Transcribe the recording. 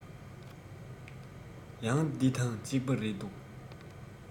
ཡང འདི དང ཅིག པ རེད འདུག